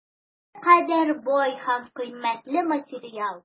Никадәр бай һәм кыйммәтле материал!